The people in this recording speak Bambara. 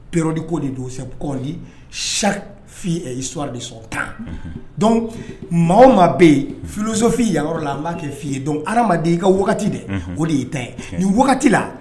Période ko de don c'est pourquoi on dit chaque fille est histoire de son temps, donc maa o maa bɛ yen philosophe yan yɔrɔ la an b'a kɛ f'i ye donc hadamaden i ka wagati dɛ, o de y'i ta ye nin wagati la